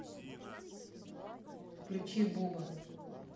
включи буба